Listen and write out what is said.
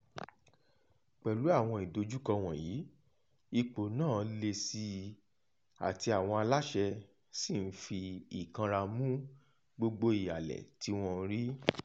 Pẹ̀lú àwọn ìdojúkọ wọ̀nyí, “ipò náà” le sí i, àti àwọn aláṣẹ sì ń fi ìkanra mú gbogbo ìhàlẹ̀ tí wọ́n ń rí.